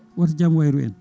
oto jaam wayru en